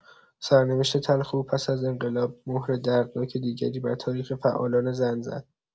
سرنوشت تلخ او پس از انقلاب مهر دردناک دیگری بر تاریخ فعالان زن زد.